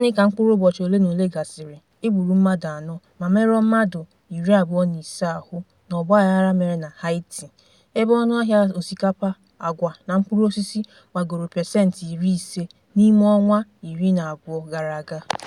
Naanị ka mkpụrụ ụbọchị ole na ole gasịrị, e gburu mmadụ anọ ma merụọ mmadụ 25 ahụ n'ọgbaaghara mere na Haiti, ebe ọnụahịa osikapa, àgwà, na mkpụrụosisi gbagoro 50% n'ime ọnwa 12 gara aga.